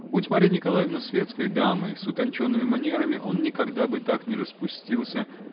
Будь Марья Николаевна светской дамой, с утонченными манерами-он никогда бы так не распустился